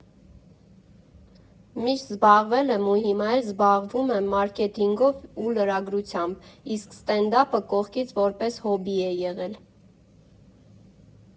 Միշտ զբաղվել եմ ու հիմա էլ զբաղվում եմ մարքեթինգով ու լրագրությամբ, իսկ ստենդափը կողքից որպես հոբբի է եղել։